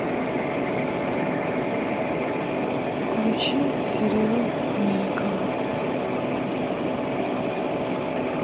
включи сериал американцы